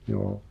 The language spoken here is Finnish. joo